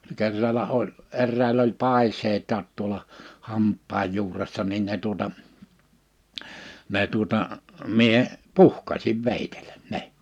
kerralla oli eräillä oli paiseita tuolla hampaan juuressa niin ne tuota ne tuota minä puhkaisin veitsellä ne